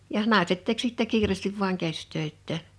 ja naiset teki sitten kiireesti vain käsitöitään